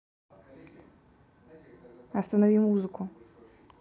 останови музыку